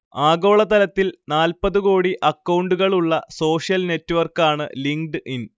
ആഗോളതലത്തിൽ നാൽപ്പത് കോടി അക്കൗണ്ടുകളുള്ള സോഷ്യൽ നെറ്റ്വർക്കാണ് ലിങ്കഡ്ഇൻ